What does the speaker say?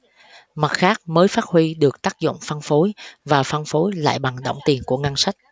mặt khác mới phát huy được tác dụng phân phối và phân phối lại bằng đỏng tiền của ngân sách